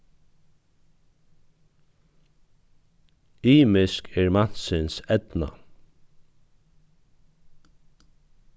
ymisk er mansins eydna